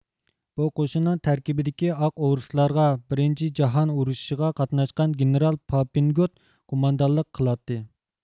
بۇ قوشۇننىڭ تەركىبىدىكى ئاق ئورۇسلارغا بىرىنچى جاھان ئۇرۇشىغا قاتناشقان گېنېرال پاپىنگۇت قوماندانلىق قىلاتتى